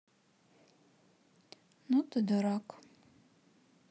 ну ты дурак